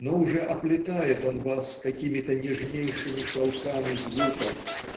но уже оплетает он вас какими-то нежнейшими шелками звуков